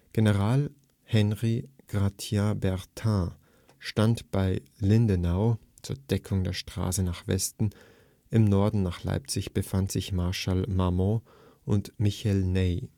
General Henri-Gratien Bertrand stand bei Lindenau zur Deckung der Straße nach Westen, im Norden von Leipzig befand sich Marschall Marmont und Michel Ney